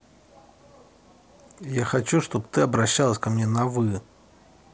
я хочу чтобы ты обращалась ко мне на вы